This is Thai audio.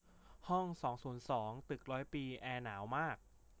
ห้องสองศูนย์สองตึกร้อยปีแอร์หนาวมาก